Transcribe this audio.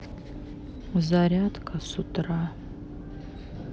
зарядка с утра